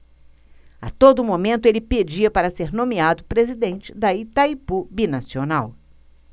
a todo momento ele pedia para ser nomeado presidente de itaipu binacional